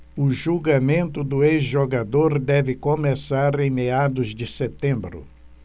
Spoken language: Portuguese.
o julgamento do ex-jogador deve começar em meados de setembro